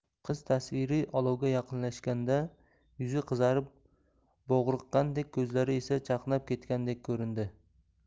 qiz tasviri olovga yaqinlashganda yuzi qizarib bo'g'riqqandek ko'zlari esa chaqnab ketgandek ko'rindi